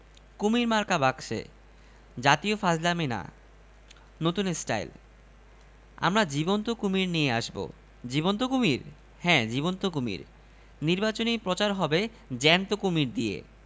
পাঁচমণি দুই কুমীর থাকবে মিছিলের সামনে পাবলিক কুমীর দেখে ট্যারা হয়ে যাবে বাঙ্গালী হচ্ছে হুজুগের জাত এই হুজুগে সব ভোট চলে যাবে কুমীরের বাক্সে